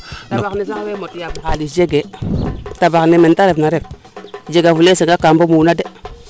tabax na sax we mot yaam xalis jegee tabax na me te refna ref jega fule sanga ka ɓoɓuuna de